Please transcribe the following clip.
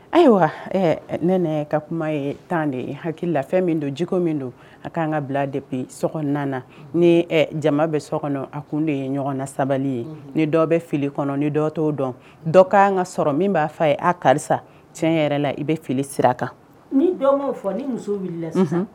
Ayiwa ne ka kuma ye tan de ye hakilila fɛn min don jiko min don a k' kanan ka bila de bi so na ni jama bɛ so kɔnɔ a kun de ye ɲɔgɔnna sabali ye ni dɔ bɛ fili kɔnɔ ni dɔ to dɔn dɔ ka'an ka sɔrɔ min b'a fɔ ye a karisa tiɲɛ yɛrɛ la i bɛ fili sira kan ni' fɔ ni muso wulila la sisan